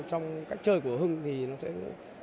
trong cách chơi của hưng thì nó sẽ